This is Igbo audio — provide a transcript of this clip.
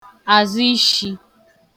azụ ishi